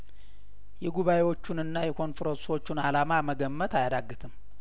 የጉባኤዎቹንና የኮንፈረንሶቹን አላማ መገመት አያዳግትም